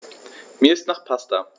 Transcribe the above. Mir ist nach Pasta.